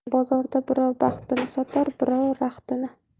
bozorda birov baxtini sotar birov raxtini